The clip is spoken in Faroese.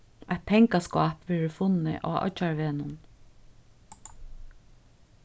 eitt pengaskáp verður funnið á oyggjarvegnum